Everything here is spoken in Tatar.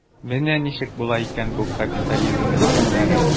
Менә ничек була икән бу капитализм дигәннәре.